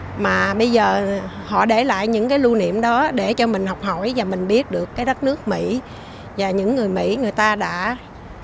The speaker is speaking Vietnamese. mà bây giờ họ để lại những cái lưu niệm đó để cho mình học hỏi và cho mình biết được cái đất nước mỹ và những người mỹ người ta đã